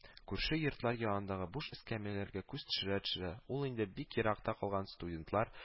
Күрше йортлар янындагы буш эскәмияләргә күз төшерә-төшерә ул инде бик еракта калган студентлар